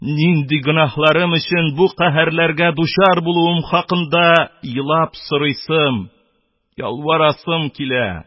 Нинди гөнаһым өчен бу каһәрләргә дучар булуым хакында елап сорыйсым, ялварасым килә.